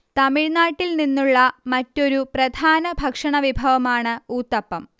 തമിഴ് നാട്ടിൽ നിന്നുള്ള പ്രധാന ഭക്ഷണമാണ് ഊത്തപ്പം